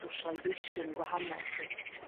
socialisation gwahanol 'lly.